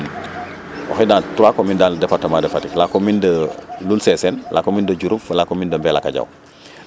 o xay no 3 commune dans le département de fatick la commune de lul seesen la commune de Djouroup fo la commune de Mbelakajaw